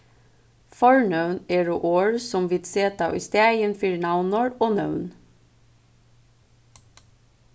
fornøvn eru orð sum vit seta ístaðin fyri navnorð og nøvn